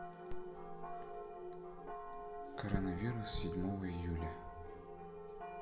коронавирус седьмого июля